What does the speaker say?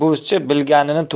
bo'zchi bilganin to'qir